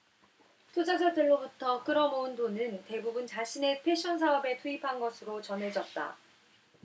투자자들로부터 끌어모은 돈은 대부분 자신의 패션사업에 투입한 것으로 전해졌다